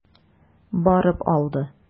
Барып алды.